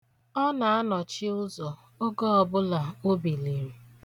Ọ na-anọchị ụzọ oge ọbụla o biliri.